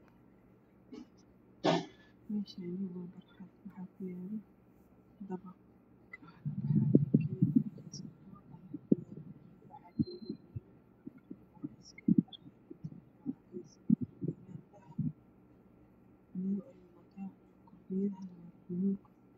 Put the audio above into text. Meeshaani waa barxad daabq Cadaan Madow wataa waxaa ka abaxayo geedo kalarkeedu cagaar Madow koofiyada buluug